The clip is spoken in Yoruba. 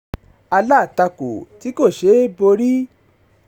Alátakò tí kò ṣe é borí